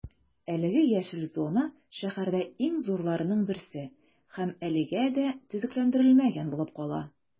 Әлеге яшел зона шәһәрдә иң зурларының берсе һәм әлегә дә төзекләндерелмәгән булып кала.